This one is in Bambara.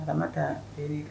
A bana taa h